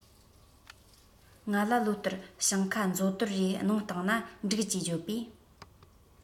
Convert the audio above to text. ང ལ ལོ ལྟར ཞིང ཁ མཛོ དོར རེ གཏོང གནང ན འགྲིག ཅེས བརྗོད པས